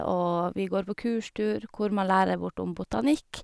Og vi går på kurstur hvor man lærer bort om botanikk.